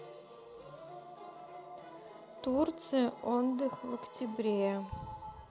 турция отдых в октябре